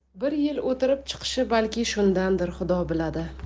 bir yil o'tirib chiqishi balki shundandir xudo biladi